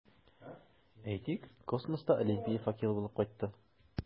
Әйтик, космоста Олимпия факелы булып кайтты.